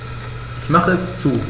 Ich mache es zu.